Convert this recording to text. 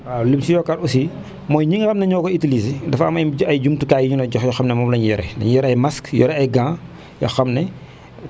waaw lim si yokkaat aussi mooy ñi nga xam ne ñoo koy utilisé dafa am ay ay jumtukaay yu ñu leen jox yoo xam ne moom la ñuy yore dañuy yore ay masques yore ay gangs yoo xam ne